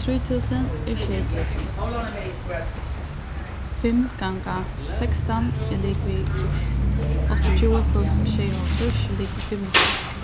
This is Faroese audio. trý túsund er sjey túsund fimm ganga sekstan er ligvið fýrs áttaogtjúgu pluss sjeyoghálvtrýss er ligvið fimmogfýrs